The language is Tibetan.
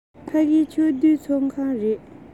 ཕ གི ཕྱོགས བསྡུས ཚོགས ཁང རེད